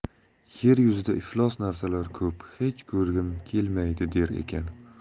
yer yuzida iflos narsalar ko'p hech ko'rgim kelmaydi der ekan